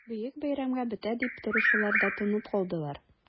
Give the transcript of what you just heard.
Бөек бәйрәмгә бетә дип торучылар да тынып калдылар...